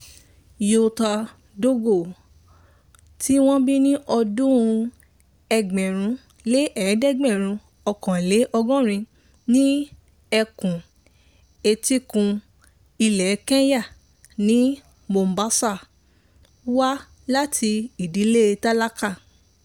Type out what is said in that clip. Nyota Ndogo tí wọ́n bí ní ọdún 1981 ní ẹkùn Etíkun ilẹ̀ Kenya ní Mombasa, wá láti ìdílé tálákà.